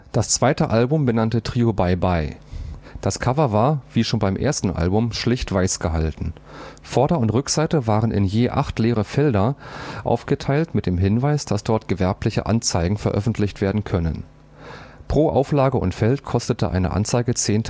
Das zweite Album benannte Trio „ Bye Bye “. Das Cover war – wie schon beim ersten Album – schlicht weiß gehalten. Vorder - und Rückseite waren in je acht leere Felder aufgeteilt mit dem Hinweis, dass dort gewerbliche Anzeigen veröffentlicht werden können. Pro Auflage und Feld kostete eine Anzeige 10.000